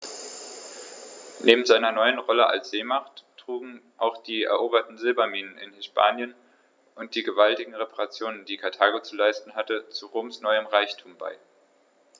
Neben seiner neuen Rolle als Seemacht trugen auch die eroberten Silberminen in Hispanien und die gewaltigen Reparationen, die Karthago zu leisten hatte, zu Roms neuem Reichtum bei.